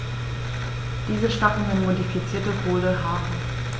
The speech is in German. Diese Stacheln sind modifizierte, hohle Haare.